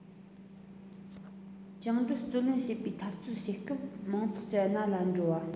བཅིངས འགྲོལ བརྩོན ལེན གྱི འཐབ འཛིང བྱེད སྐབས མང ཚོགས ཀྱི སྣ ལ འགྲོ བ